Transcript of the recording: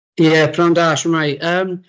Ie prynhawn da shwmae? yym